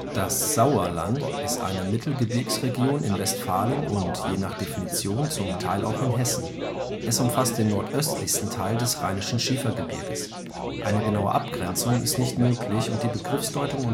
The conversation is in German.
Das Sauerland ist eine Mittelgebirgsregion in Westfalen und, je nach Definition, zum Teil auch in Hessen. Es umfasst den nordöstlichen Teil des Rheinischen Schiefergebirges. Eine genaue Abgrenzung ist nicht möglich und die Begriffsdeutung